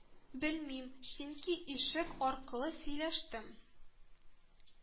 Белмим, чөнки ишек аркылы сөйләштем